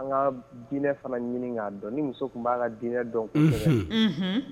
An ka dinɛ fana ɲini k'a dɔn ni muso tun b'a ka dinɛ dɔn